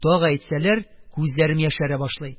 Тагы әйтсәләр, күзләрем яшәрә башлый.